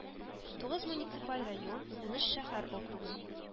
Тугыз муниципаль район, ун өч шәһәр округы